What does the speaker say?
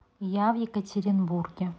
я в екатеринбурге